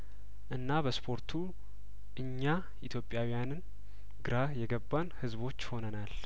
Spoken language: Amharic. እና በስፖርቱ እኛ ኢትዮጵያዊያንን ግራ የገባን ህዝቦች ሆነናል